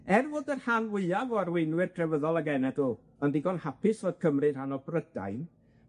Er fod y rhan fwyaf o arweinwyr crefyddol a genedl yn ddigon hapus fod Cymru'n rhan o Brydain,